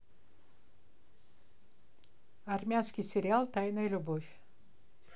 армянский сериал тайная любовь